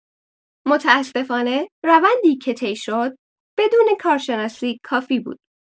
متاسفانه روندی که طی شد، بدون کارشناسی کافی بود.